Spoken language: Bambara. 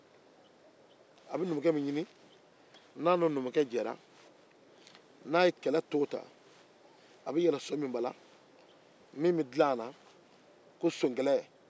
yarɔ sonkɛlɛ dɔnbaaw man ca dɛ